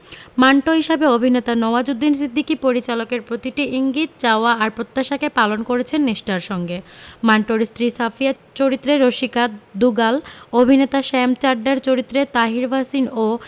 মান্টো হিসেবে অভিনেতা নওয়াজুদ্দিন সিদ্দিকী পরিচালকের প্রতিটি ইঙ্গিত চাওয়া আর প্রত্যাশাকে পালন করেছেন নিষ্ঠার সঙ্গে মান্টোর স্ত্রী সাফিয়া চরিত্রে রসিকা দুগাল অভিনেতা শ্যাম চাড্ডার চরিত্রে তাহির ভাসিন ও